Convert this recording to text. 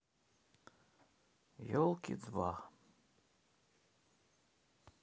елки два